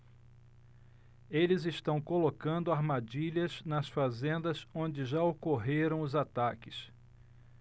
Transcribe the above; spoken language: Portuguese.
eles estão colocando armadilhas nas fazendas onde já ocorreram os ataques